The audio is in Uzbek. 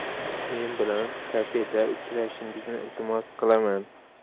men bilan kafeda uchrashingizni iltimos qilaman